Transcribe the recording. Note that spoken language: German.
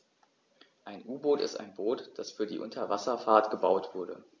Ein U-Boot ist ein Boot, das für die Unterwasserfahrt gebaut wurde.